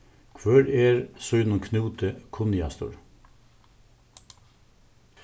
hvør er sínum knúti kunnigastur